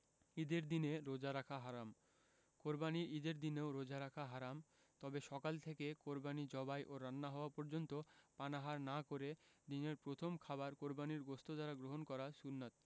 ঈদের দিনে রোজা রাখা হারাম কোরবানির ঈদের দিনেও রোজা রাখা হারাম তবে সকাল থেকে কোরবানি জবাই ও রান্না হওয়া পর্যন্ত পানাহার না করে দিনের প্রথম খাবার কোরবানির গোশত দ্বারা গ্রহণ করা সুন্নাত